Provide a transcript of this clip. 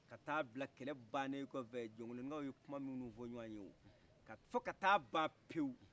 ka taa bila kɛlɛ bannen kɔ fɛ jɔkolonninkaw kuman minnu fɔ ɲɔgɔn ye fo ka taa ban pewo